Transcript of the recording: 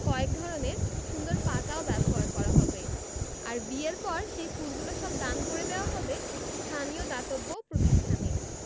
কয়েক ধরনের সুন্দর পাতাও ব্যবহার করা হবে আর বিয়ের পর সেই ফুলগুলো সব দান করে দেওয়া হবে স্থানীয় দাতব্য প্রতিষ্ঠানে